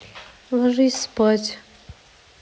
ложись спать